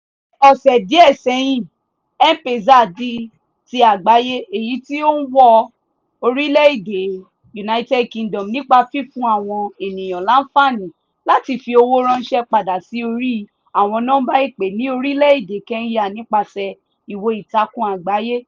Ní ọ̀ṣẹ̀ díẹ̀ sẹ́yìn, M-Pesa di ti àgbáyé, èyí tí ó ń wọ orílẹ̀ èdè United Kingdom nípa fífún àwọn ènìyàn láǹfààní láti fi owó ránṣẹ́ padà sí orí àwọn nọ́mbà ìpè ní orílẹ̀ èdè Kenya nípasẹ̀ ìwò ìtàkùn àgbáyé.